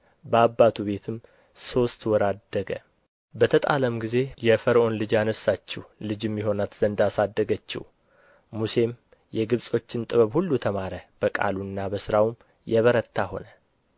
በአባቱ ቤትም ሦስት ወር አደገ በተጣለም ጊዜ የፈርዖን ልጅ አነሣችው ልጅም ይሆናት ዘንድ አሳደገችው ሙሴም የግብፆችን ጥበብ ሁሉ ተማረ በቃሉና በሥራውም የበረታ ሆነ